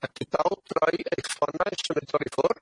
ac i bawb droi eich ffonau symudol i ffwr'.